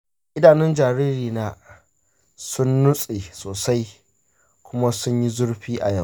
idanun jaririna sun nutse sosai kuma sun yi zurfi a yau.